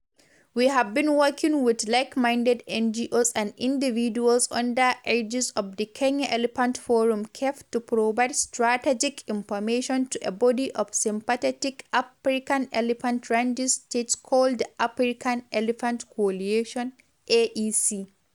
We have been working with like-minded NGOs and individuals under the aegis of the Kenya Elephant Forum (KEF) to provide strategic information to a body of sympathetic African elephant range states called the African Elephant Coalition (AEC).